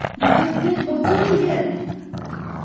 Мөкаддәс батып үлгән!